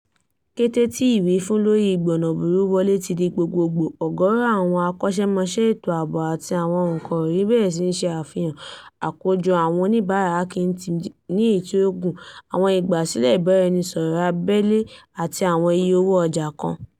Kété tí ìwífún lórí ìgbọ̀nàbùrú wọlé di ti gbogbogbò, ọ̀gọ̀ọ̀rọ̀ àwọn akọ́ṣẹ́mọṣẹ́ ètò ààbò àti àwọn ọ̀ǹkọ̀ròyìn bẹ̀rẹ̀ sí ní ṣe àfihàn àkójọ àwọn oníbàárà Hacking Team ní èyí tí ó gùn, àwọn ìgbàsílẹ̀ ìbáraẹnisọ̀rọ̀ abẹ́lé, àti àwọn iye owó ọjà kan.